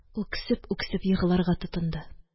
Үксеп-үксеп егларга тотынды